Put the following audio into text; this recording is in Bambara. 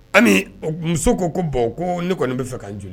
Ami, muso ko ko bon ko ne kɔnni bɛ fɛ k'a n joli